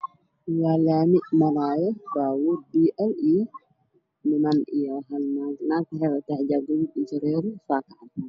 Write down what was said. Waalami maraayo baabuur bl iyo niman iyo naag naagta waxay wadataa xijaab guduud iyo saaka caddaan